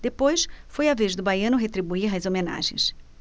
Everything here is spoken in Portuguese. depois foi a vez do baiano retribuir as homenagens